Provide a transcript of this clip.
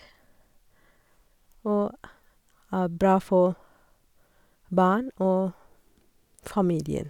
Og er bra for barn og familien.